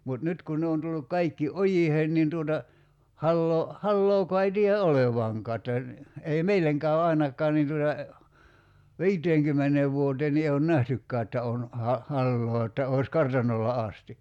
mutta nyt kun ne on tullut kaikki ojiin niin tuota hallaa hallaakaan ei tiedä olevankaan että niin ei meille käy ainakaan niin tuota viiteenkymmeneen vuoteen niin ei ole nähtykään että on - hallaa että olisi kartanolla asti